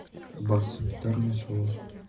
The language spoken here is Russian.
бас гитарное соло